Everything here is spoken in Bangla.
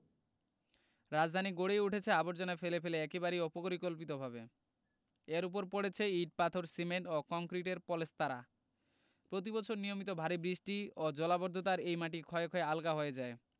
রাজধানী গড়েই উঠেছে আবর্জনা ফেলে ফেলে একেবারেই অপরিকল্পিতভাবে এর ওপর পড়েছে ইট পাথর সিমেন্ট ও কংক্রিটের পলেস্তারা প্রতিবছর নিয়মিত ভারি বৃষ্টি ও জলাবদ্ধতায় এই মাটি ক্ষয়ে ক্ষয়ে আলগা হয়ে যায়